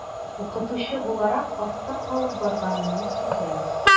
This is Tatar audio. Укытучы буларак артта калып барганымны сизәм.